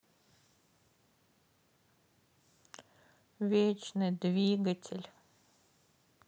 вечный двигатель